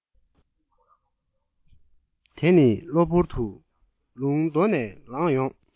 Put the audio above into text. དེ ནི གློ བུར དུ ལུང མདོ ནས ལངས ཡོང